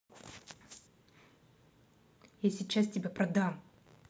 я сейчас тебя продам